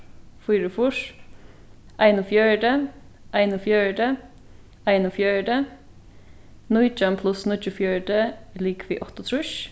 fýraogfýrs einogfjøruti einogfjøruti einogfjøruti nítjan pluss níggjuogfjøruti er ligvið áttaogtrýss